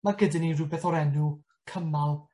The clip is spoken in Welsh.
ma' gyda ni rwbeth o'r enw cymal